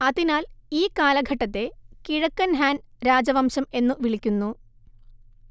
അതിനാൽ ഈ കാലഘട്ടത്തെ കിഴക്കൻ ഹാൻ രാജവംശം എന്നു വിളിക്കുന്നു